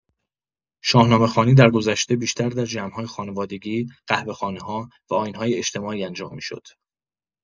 شاهنامه‌خوانی درگذشته بیشتر در جمع‌های خانوادگی، قهوه‌خانه‌ها و آیین‌های اجتماعی انجام می‌شد.